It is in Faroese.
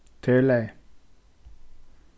tað er í lagi